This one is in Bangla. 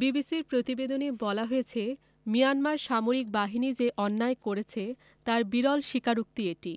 বিবিসির প্রতিবেদনে বলা হয়েছে মিয়ানমার সামরিক বাহিনী যে অন্যায় করেছে তার বিরল স্বীকারোক্তি এটি